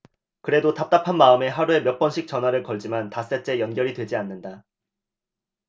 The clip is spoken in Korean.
그래도 답답한 마음에 하루에 몇 번씩 전화를 걸지만 닷새째 연결이 되지 않는다